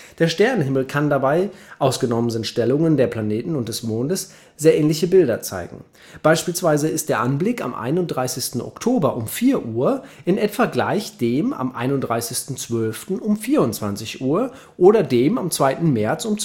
Der Sternenhimmel kann dabei – ausgenommen die Stellungen der Planeten und des Mondes – sehr ähnliche Bilder zeigen: Beispielsweise ist der Anblick am 31. Oktober um 04:00 h in etwa gleich dem am 31. 12. um 24:00 h oder dem am 2. März um